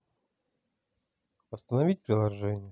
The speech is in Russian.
остановить приложение